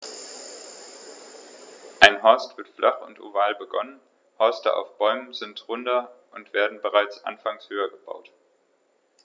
Ein Horst wird flach und oval begonnen, Horste auf Bäumen sind runder und werden bereits anfangs höher gebaut.